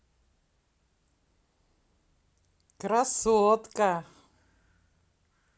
красотка